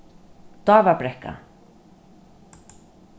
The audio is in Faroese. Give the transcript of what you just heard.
dávabrekka